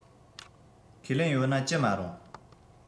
ཁས ལེན ཡོད ན ཅི མ རུང